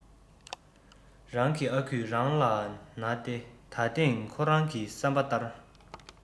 རང གི ཨ ཁུས རང ལ ན ཏེ ད ཐེངས ཁོ རང གི བསམ པ ལྟར